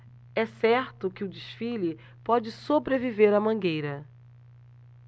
é certo que o desfile pode sobreviver à mangueira